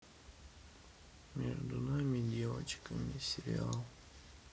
между нами девочками сериал